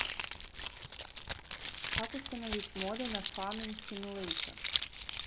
как установить моды на farming simulator